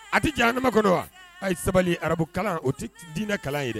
A tI jahanama kɔnɔ wa a' ye sabali arabu kalan o ti d diinɛ kalan ye dɛ